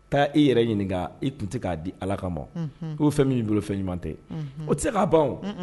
Taa i yɛrɛ ɲininka i tun tɛ k'a di ala kama ma i ye fɛn min bolo fɛn ɲuman tɛ o tɛ se k kaa ban